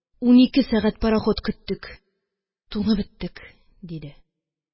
Унике сәгать парахут көттек, туңып беттек, – диде.